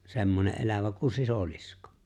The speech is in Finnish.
semmoinen elävä kuin sisilisko